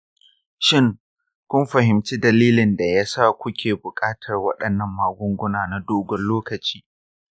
shin, kun fahimci dalilin da ya sa kuke buƙatar waɗannan magunguna na dogon lokaci?